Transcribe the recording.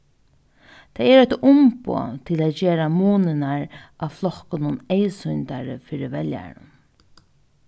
tað er eitt umboð til at gera munirnar á flokkunum eyðsýndari fyri veljaranum